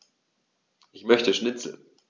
Ich möchte Schnitzel.